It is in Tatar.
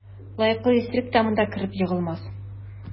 Лаякыл исерек тә монда кереп егылмас.